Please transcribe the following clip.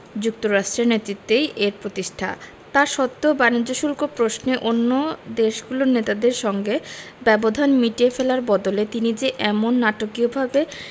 যুক্তরাষ্ট্রের নেতৃত্বেই এর প্রতিষ্ঠা তা সত্ত্বেও বাণিজ্য শুল্ক প্রশ্নে অন্য দেশগুলোর নেতাদের সঙ্গে ব্যবধান মিটিয়ে ফেলার বদলে তিনি যে এমন নাটকীয়ভাবে